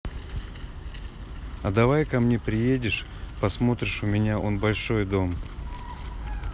а давай ко мне приедешь посмотришь у меня он большой дом